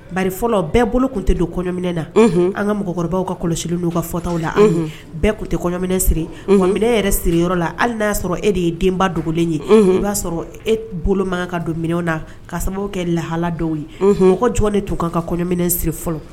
Ba fɔlɔ bɛɛ bolo tun tɛ don kɔɲɔminɛ na an ka mɔgɔkɔrɔbaw ka kɔlɔsi ka fɔta la bɛɛ tun tɛ kɔɲɔminɛ siri minɛ yɛrɛ siri yɔrɔ la hali n y'a sɔrɔ e de ye denba dogolen ye o y'a sɔrɔ e bolo makan ka donminw na ka sababu kɛ lahala dɔw ye mɔgɔ jɔn de tun kan ka kɔɲɔminɛ siri fɔlɔ